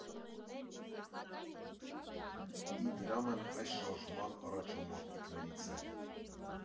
Իդրամն այս շարժման առաջամարտիկներից է։